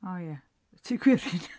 O ie. Y Ty Gwerin!